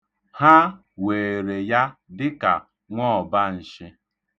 Ha weere ya dịka nwọọbanshị.